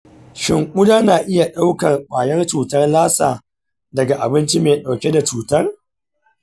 shin ƙuda na iya ɗaukar kwayar cutar lassa daga abinci mai ɗauke da cutar?